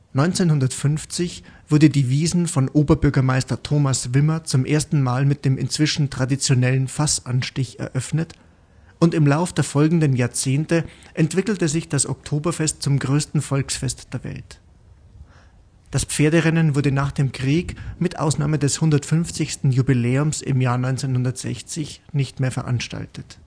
1950 wurde die Wiesn von Oberbürgermeister Thomas Wimmer zum ersten Mal mit dem inzwischen traditionellen Fassanstich eröffnet und im Lauf der folgenden Jahrzehnte entwickelte sich das Oktoberfest zum größten Volksfest der Welt. Das Pferderennen wurde nach dem Krieg mit Ausnahme des 150. Jubiläums im Jahr 1960 nicht mehr veranstaltet